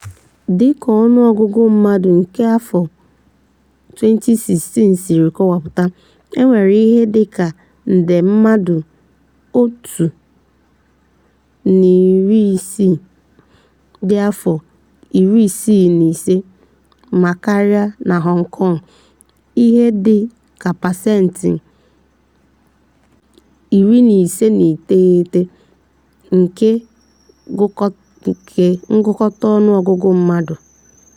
Dịka ọnụọgụgụ mmadụ nke afọ 2016 si kọwapụta, e nwere ihe dị ka nde mmadụ 1.16 dị afọ 65 ma karịa na Hong Kong—ihe dị ka pasentị 15.9 nke ngụkọta ọnụọgụgụ mmadụ.